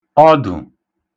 ọḋụ